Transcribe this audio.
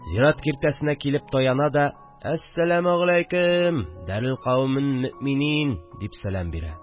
Зират киртәсенә килеп таяна да: – Әссәләмегаләйкем, дарелкаумен мөэминин! – дип сәләм бирә